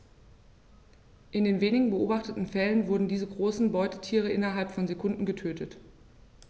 In den wenigen beobachteten Fällen wurden diese großen Beutetiere innerhalb von Sekunden getötet.